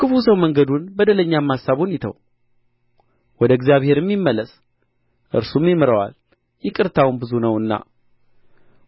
ክፉ ሰው መንገዱን በደለኛም አሳቡን ይተው ወደ እግዚአብሔርም ይመለስ እርሱም ይምረዋል ይቅርታውም ብዙ ነውና